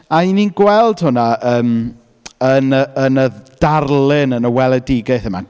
A ‘y ni'n gweld hwnna yym yn y, yn y darlun, yn y weledigaeth yma.